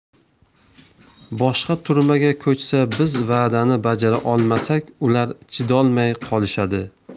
boshqa turmaga ko'chsa biz va'dani bajara olmasak ular chidolmay qolishadi